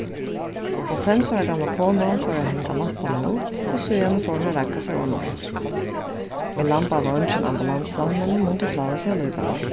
hálvfems ára gamla konan fór at hanga lapparnar upp og síðani fór hon at ragga sær omaneftir í lamba var eingin ambulansa men hon mundi klára seg allíkavæl